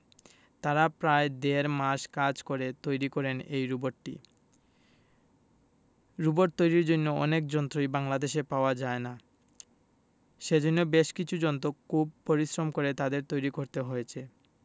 তারা প্রায় দেড় মাস কাজ করে তৈরি করেন এই রোবটটি রোবট তৈরির জন্য অনেক যন্ত্রই বাংলাদেশে পাওয়া যায় না সেজন্য বেশ কিছু যন্ত্র খুব পরিশ্রম করে তাদের তৈরি করতে হয়েছে